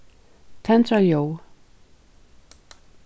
tendra ljóð